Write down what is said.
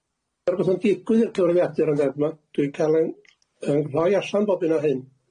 Ma' 'na r'wbeth yn digwydd i'r cyfrifiadur ynde. Ma- Dwi'n ca'l 'yn 'yn nghloi allan bob hyn a hyn.